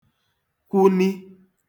kwụni